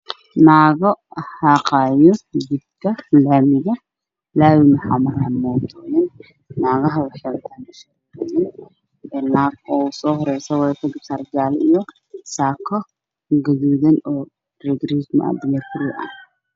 Naago xaqayn jidka lamida waxa marayo motoyin nagaha waxa wtn sako mida u horeysa waxau wadata garbsar gadud iyo sako riif riif ah